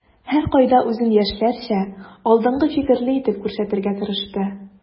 Һәркайда үзен яшьләрчә, алдынгы фикерле итеп күрсәтергә тырышты.